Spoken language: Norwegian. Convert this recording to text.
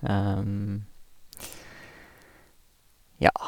Ja.